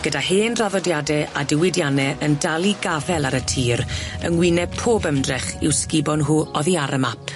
gyda hen draddodiade a diwydianne yn dal i gafel ar y tir yng ngwyneb pob ymdrech i'w sgubo nhw oddi ar y map.